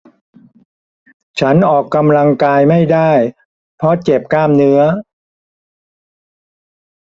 ฉันออกกำลังกายไม่ได้เพราะเจ็บกล้ามเนื้อ